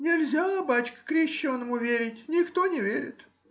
— Нельзя, бачка, крещеному верить,— никто не верит.